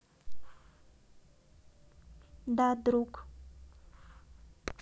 да друг